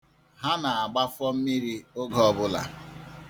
Ha na-agbafọ mmiri oge ọ bụla.